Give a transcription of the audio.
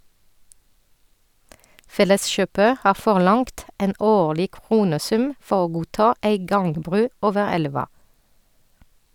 Felleskjøpet har forlangt en årlig kronesum for å godta ei gangbru over elva.